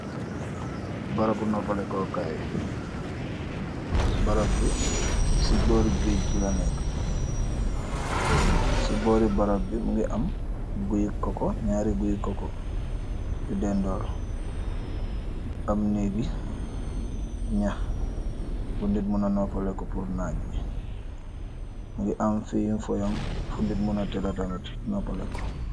Barapu noppalekokaay, barab bi si boori géej ngi la nekk, si boori barab bi mungi am guy koko, ñaari guy koko yu dendool, am negi ñax bu nit muna noppaleko purnaaj bi, mungi am fiyun foyon fu nit muna tade tamit noppale ko